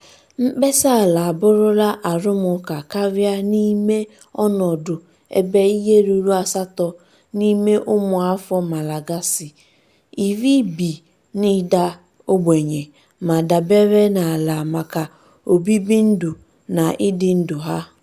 Mkpesa ala abụrụla arụmụka karịa n'ime ọnọdụ ebe ihe ruru asatọ n'ime ụmụafọ Malagasy 10 bi n'ịda ogbenye ma dabere n'ala maka obibindụ na ịdị ndụ ha.